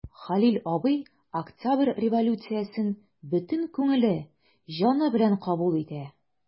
Хәлил абый Октябрь революциясен бөтен күңеле, җаны белән кабул итә.